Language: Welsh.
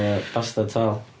Yy, bastard tal.